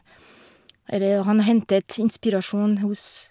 Eller, han hentet inspirasjon hos...